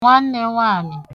nwanne nwamị̀